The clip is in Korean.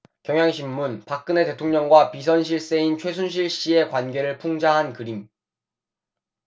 경향신문 박근혜 대통령과 비선실세인 최순실씨의 관계를 풍자한 그림